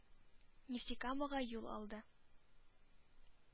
Нефтекамага юл алды.